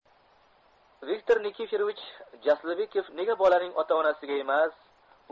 viktor nikiforovich jaslibekov nega bolaning ota onasiga emas